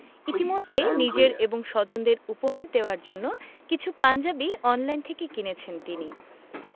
ইতিমধ্যে নিজের এবং স্বজনদের উপহার দেওয়ার জন্য কিছু পাঞ্জাবি অনলাইন থেকে কিনেছেন তিনি